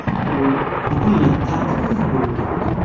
u butunlay tartibsiz bo'lib ketdi